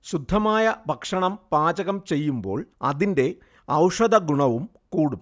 ശുദ്ധമായ ഭക്ഷണം പാകം ചെയ്യുമ്പോൾ അതിന്റെ ഔഷധഗുണവും കൂടും